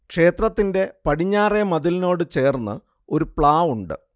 ക്ഷേത്രത്തിന്റെ പടിഞ്ഞാറെ മതിലിനോട് ചേർന്നു ഒരു പ്ലാവ് ഉണ്ട്